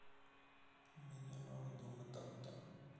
меня мама дома там там